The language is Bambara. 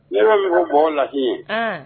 Ɲ mɔgɔ bɔo la ye